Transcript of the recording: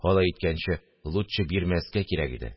Алай иткәнче, лутчы бирмәскә кирәк иде